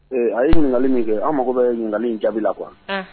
A ye ɲininkakali min kɛ an mago bɛ ye ɲininkakali in jaabi la kuwa